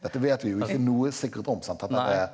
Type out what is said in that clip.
dette vet vi jo ikke noe sikkert om sant det derre.